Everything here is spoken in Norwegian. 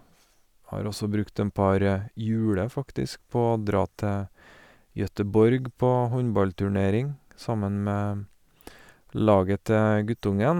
Har også brukte en par juler faktisk, på å dra til Göteborg på håndballturnering sammen med laget til guttungen.